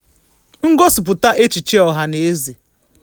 Ngosipụta echiche ọhanaeze